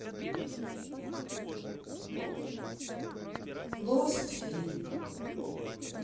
лост фильм